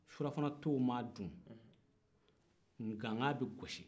surafanatɔw mana dun gangan bɛ gosi